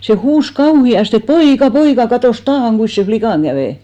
se huusi kauheasti poika poika katsos taa kuinkas sen likan kävi